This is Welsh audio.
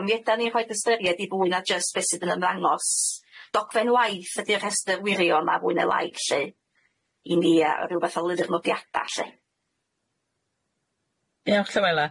A mi ydan ni'n rhoid ystyried i fwy na jyst be' sydd yn ymddangos. Docfen waith ydi'r restr wirion a fwy ne lai lly. i ni a ryw fath o lyfr nodiada lly. Diolch Llywela.